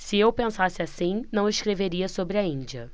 se eu pensasse assim não escreveria sobre a índia